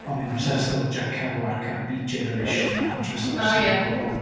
O'n i'n obsessed efo Jack Kerouac a'r Beat Generation a Hunter S Thompson... o ia. ...a pobl fel 'na.